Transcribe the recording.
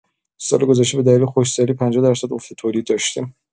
سال‌گذشته به دلیل خشکسالی ۵۰ درصد افت تولید داشتیم.